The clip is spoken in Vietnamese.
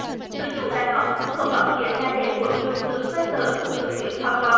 tự chủ đại học không có nghĩa là để mỗi trường tự xoay xở tự quyết hoàn toàn